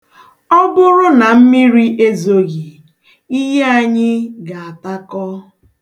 Ọ bụrụ na mmiri ezoghị, iyi anyị ga-atakọ.